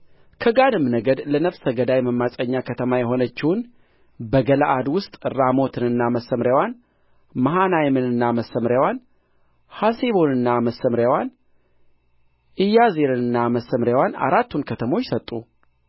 ከጋድም ነገድ ለነፍሰ ገዳይ መማፀኛ ከተማ የሆነችውን በገለዓድ ውስጥ ራሞትንና መሰምርያዋን መሃናይምንና መሰምርያዋን ሐሴቦንንና መሰምርያዋን ኢያዜርንና መሰምርያዋን አራቱን ከተሞች ሰጡ